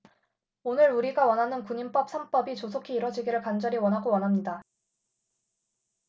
오늘 우리가 원하는 군인법 삼 법이 조속히 이뤄지기를 간절히 원하고 원합니다